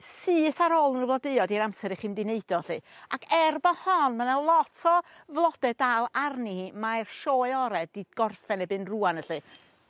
syth ar ôl n'w flodeuo 'di'r amser i chi mynd i neud o 'lly ac er bo' hon ma' 'na lot o flode dal arni mae'r sioe ore 'di gorffen erbyn rŵan felly.